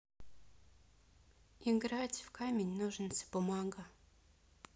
играть в камень ножницы бумага